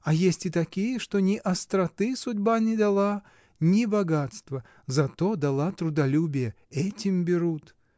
А есть и такие, что ни “остроты” судьба не дала, ни богатства, зато дала трудолюбие: этим берут!